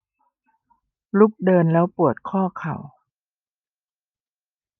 ลุกเดินแล้วปวดข้อเข่า